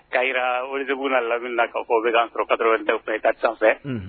Ta jirara walise na lam k'a fɔ bɛ ka sɔrɔ ka wɛrɛda fɛ i ka sanfɛ